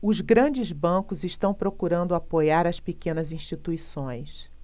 os grandes bancos estão procurando apoiar as pequenas instituições